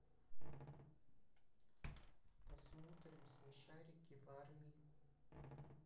посмотрим смешарики в армии